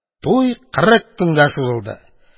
Туй кырык көнгә сузылды.